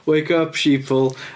Wake up, Sheeple.